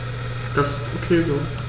Das ist ok so.